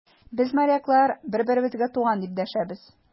Без, моряклар, бер-беребезгә туган, дип дәшәбез.